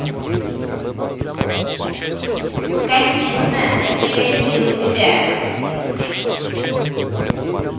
конечно это я люблю тебя